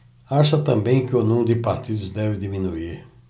acha também que o número de partidos deve diminuir